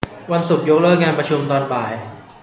วันศุกร์ยกเลิกงานประชุมตอนบ่าย